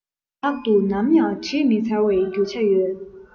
ལག ཏུ ནམ ཡང བྲིས མི ཚར བའི རྒྱུ ཆ ཡོད